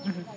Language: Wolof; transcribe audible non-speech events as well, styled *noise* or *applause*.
*hesitation* *hesitation*